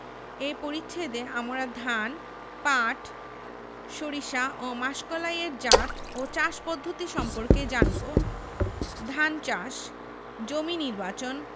এ পরিচ্ছেদে আমরা ধান পাট সরিষা ও মাসকলাই এর জাত ও চাষ পদ্ধতি সম্পর্কে জানব ধান চাষ জমি নির্বাচনঃ